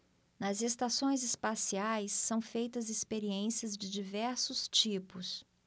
nas estações espaciais são feitas experiências de diversos tipos